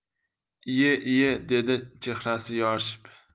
iye iye dedi chehrasi yorishib